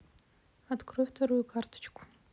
открой вторую карточку